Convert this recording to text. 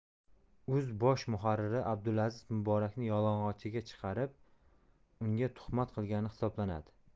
uz bosh muharriri abdulaziz muborakni yolg'onchiga chiqarib unga tuhmat qilgan hisoblanadi